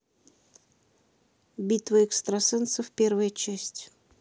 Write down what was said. битва экстрасенсов первая часть